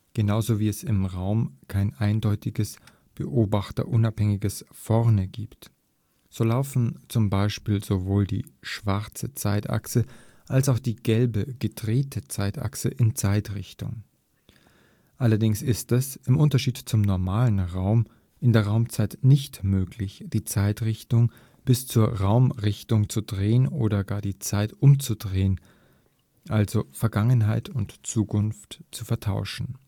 genauso wie es im Raum kein eindeutiges (beobachterunabhängiges) „ Vorne “gibt. So laufen z. B. sowohl die schwarze Zeitachse als auch die gelbe „ gedrehte “Zeitachse in Zeitrichtung. Allerdings ist es – im Unterschied zum normalen Raum – in der Raumzeit nicht möglich, die Zeitrichtung bis zur Raumrichtung zu drehen oder gar die Zeit „ umzudrehen “, also Vergangenheit und Zukunft zu vertauschen